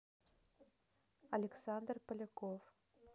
александр поляков